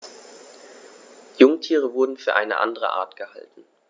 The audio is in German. Jungtiere wurden für eine andere Art gehalten.